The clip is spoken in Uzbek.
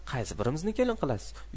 qaysi birimizni kelin qilasiz